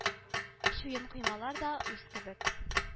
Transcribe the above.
Чуен коймалар да үз кебек